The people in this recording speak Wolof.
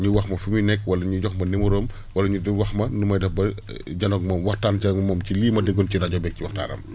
ñu wax ma fu muy nekk wala ñu jox ma numéro am wala ñu wax ma nu may def ba janoog moom waxtaan ceeg moom ci lii ma déggoon ci rajo beeg ci waxtaanam